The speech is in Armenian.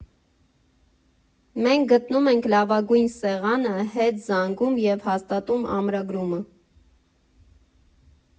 Մենք գտնում ենք լավագույն սեղանը, հետ զանգում և հաստատում ամրագրումը։